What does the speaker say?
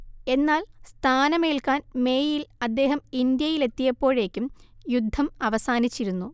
എന്നാൽ സ്ഥാനമേൽക്കാൻ മേയിൽ അദ്ദേഹം ഇന്ത്യയിലെത്തിയപ്പോഴേക്കും യുദ്ധം അവസാനിച്ചിരുന്നു